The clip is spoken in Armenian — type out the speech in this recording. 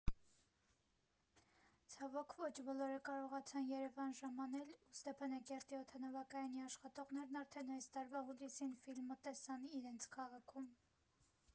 Ցավոք, ոչ բոլորը կարողացան Երևան ժամանել, ու Ստեփանակերտի օդանավակայանի աշխատողներն արդեն այս տարվա հուլիսին ֆիլմը տեսան՝ իրենց քաղաքում։